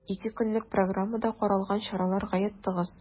Ике көнлек программада каралган чаралар гаять тыгыз.